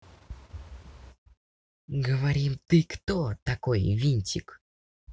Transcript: говорим ты кто такой винтик